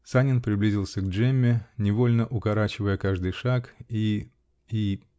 Санин приблизился к Джемме, невольно укорачивая каждый шаг, и. и.